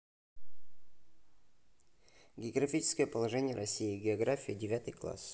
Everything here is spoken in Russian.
географическое положение россии география девятый класс